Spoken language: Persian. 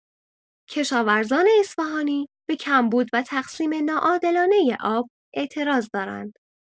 کشاورزان اصفهانی به کمبود و تقسیم ناعادلانه آب اعتراض دارند.